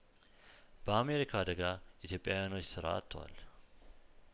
በአሜሪካው አደጋ ኢትዮጵያውያኖች ስራ አጥተዋል